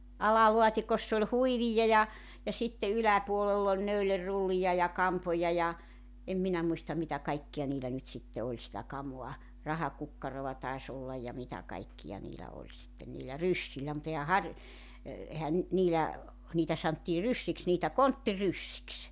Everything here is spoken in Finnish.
alalaatikossa oli huiveja ja ja sitten yläpuolella oli neulerullia ja kampoja ja en minä muista mitä kaikkia niillä nyt sitten oli sitä kamaa rahakukkaroa taisi olla ja mitä kaikkia niillä oli sitten niillä ryssillä mutta eihän -- eihän nyt niillä niitä sanottiin ryssiksi niitä konttiryssiksi